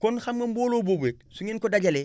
kon xam nga mbooloo boobule su ngeen ko dajalee